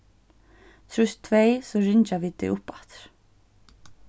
trýst tvey so ringja vit teg uppaftur